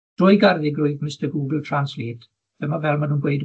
drwy garedigrwydd Mister Google Translate, dyma fel ma' nw'n gweud